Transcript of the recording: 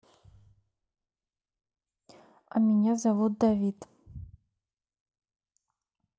а меня зовут давид